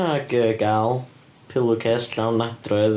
Ag y gael pillowcase llawn nadroedd,